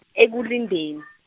Ekulindeni.